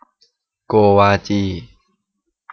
โกวาจี